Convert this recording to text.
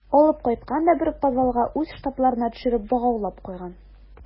Алып кайткан да бер подвалга үз штабларына төшереп богаулап куйган.